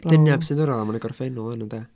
Dyna be sy'n ddiddorol a mae o yn y gorffenol 'wan yn de?